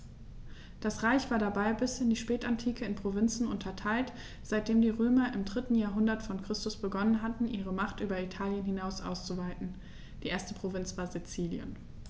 Das Reich war dabei bis in die Spätantike in Provinzen unterteilt, seitdem die Römer im 3. Jahrhundert vor Christus begonnen hatten, ihre Macht über Italien hinaus auszuweiten (die erste Provinz war Sizilien).